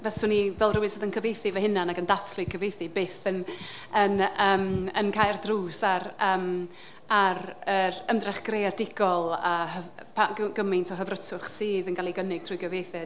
Faswn i fel rywun sydd yn cyfieithu fy hunain ac yn dathlu cyfieithu byth yn yn yym yn cau'r drws ar yym ar yr ymdrech greadigol a hyf- pa- gy- gy- gymaint o hyfrydwch sydd yn cael eu cynnig trwy gyfieithu.